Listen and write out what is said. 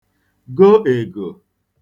go ègò